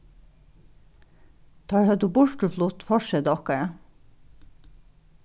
teir høvdu burturflutt forseta okkara